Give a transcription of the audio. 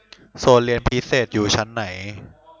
โซนเรียนพิเศษอยู่ชั้นไหน